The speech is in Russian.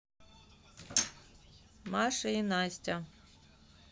маша и настя